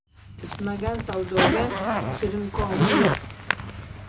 bitmagan savdoga shirinkoma yo'q